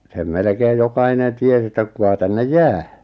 sen melkein jokainen tiesi että kuka tänne jää